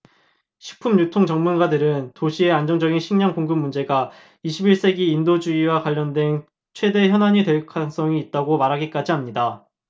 식품 유통 전문가들은 도시의 안정적인 식량 공급 문제가 이십 일 세기에 인도주의와 관련된 최대 현안이 될 가능성이 있다고 말하기까지 합니다